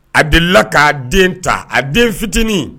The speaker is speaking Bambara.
A delila k'a den ta a den fitinin